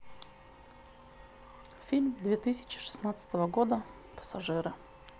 фильм две тысячи шестнадцатого года пассажиры